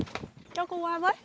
cho cô qua với